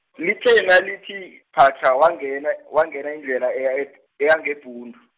lithe nalithi phatjha, wangena wangena indlela, eya eb-, eya ngeBhundu.